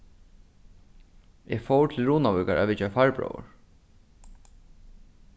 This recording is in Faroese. eg fór til runavíkar at vitja farbróður